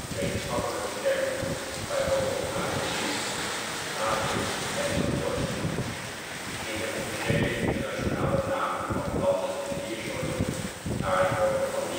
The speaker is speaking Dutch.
wetenschappelijke termen, bijvoorbeeld avulsie, matrix, enz.; in de officiële internationale namen van planten - en diersoorten (naar het voorbeeld van